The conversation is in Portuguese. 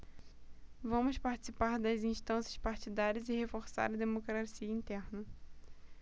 vamos participar das instâncias partidárias e reforçar a democracia interna